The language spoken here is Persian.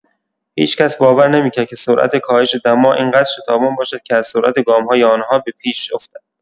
هیچ‌کس باور نمی‌کرد که سرعت کاهش دما این‌قدر شتابان باشد که از سرعت گام‌های آن‌ها به پیش‌افتد.